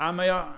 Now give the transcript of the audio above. A mae o...